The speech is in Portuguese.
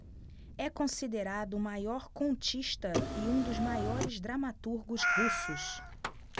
é considerado o maior contista e um dos maiores dramaturgos russos